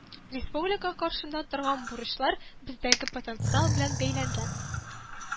Республика каршында торган бурычлар бездәге потенциал белән бәйләнгән